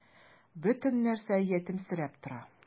Бөтен нәрсә ятимсерәп тора.